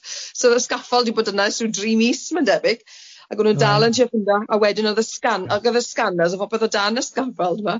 So o'dd y sgaffold 'di bod yna ers ryw dri mis mae'n debyg ac o'n nw'n dal yn trio ffendo a wedyn o'dd y sgan- ag o'dd y scanners a popeth o dan y sgaffold 'ma.